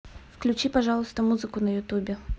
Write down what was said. включи пожалуйста музыку на ютубе